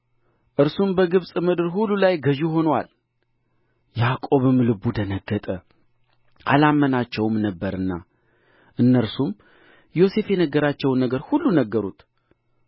እርሱም በግብፅ ምድር ሁሉ ላይ ገዥ ሆኖአል ያዕቆብም ልቡ ደነገጠ አላመናቸውም ነበርና እነርሱም ዮሴፍ የነገራቸውን ነገር ሁሉ ነገሩት